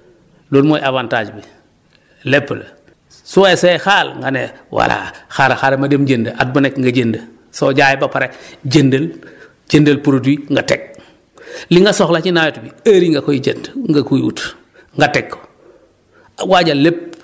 loolu mooy avantage bi lépp la su weesee xaal nga ne voilà xaaral xaaral ma dem jëndi at bu nekk nga jënd soo jaayee ba pare jëndal jëndal produit nga teg li nga soxla ci nawet bi heure yii nga koy jënd nga koy ut nga teg ko waajal lépp